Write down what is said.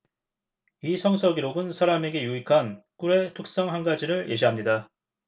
이 성서 기록은 사람에게 유익한 꿀의 특성 한 가지를 예시합니다